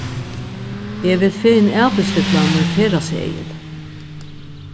eg vil fegin avbestilla mín ferðaseðil